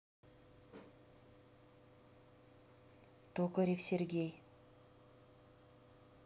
токарев сергей